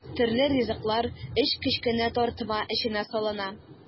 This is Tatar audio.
Төрле ризыклар өч кечкенә тартма эченә салына.